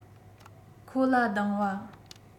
ཁོ ལ སྡང བ